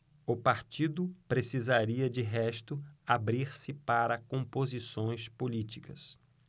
o partido precisaria de resto abrir-se para composições políticas